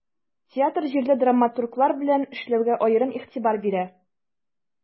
Театр җирле драматурглар белән эшләүгә аерым игътибар бирә.